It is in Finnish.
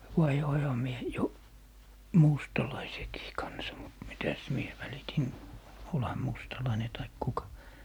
vaihdoinhan minä jo mustalaisenkin kanssa mutta mitäs minä välitin olihan mustalainen tai kuka